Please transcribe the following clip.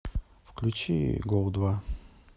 включи гол два